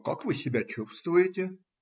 - Как вы себя чувствуете?